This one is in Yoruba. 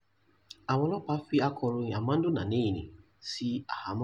Àwọn ọlọ́pàá fi akọ̀ròyìn Armando Nenane sí àhámọ́.